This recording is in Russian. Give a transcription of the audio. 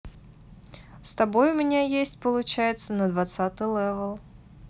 с тобой у меня есть получается на двадцатый левел